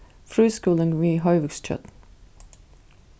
frískúlin við hoyvíkstjørn